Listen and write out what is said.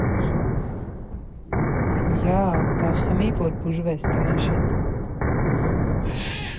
«Յաա՜ա, բա խմի, որ բուժվես, տնաշեն»։